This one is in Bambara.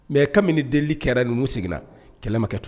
Mɛ kabini deli kɛra numu seginna kɛlɛkɛ tugun